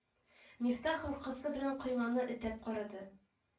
Мифтах аркасы белән койманы этәп карады